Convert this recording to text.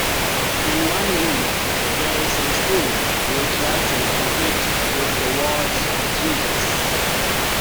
In one room, there's a stone with writing on it with the words of Jesus.